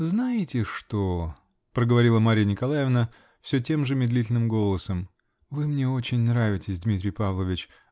-- Знаете что, -- проговорила Марья Николаевна все тем же медлительным голосом, -- вы мне очень нравитесь, Дмитрий Павлович.